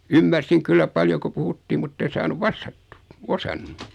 ymmärsin kyllä paljon kun puhuttiin mutta en saanut vastattua osannut